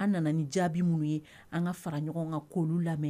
An nana ni jaabi minnu ye an ka fara ɲɔgɔn kan'olu lamɛn